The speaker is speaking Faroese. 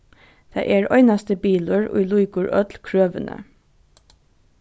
tað er einasti bilur ið lýkur øll krøvini